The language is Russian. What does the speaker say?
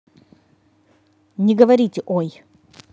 не говорите ой